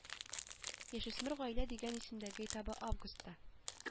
Яшүсмер-гаилә дигән исемдәге этабы августта